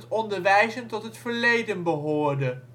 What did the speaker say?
onderwijzen tot het verleden behoorde